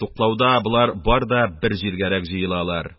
Туплауда болар бар да бер җиргәрәк җыелалар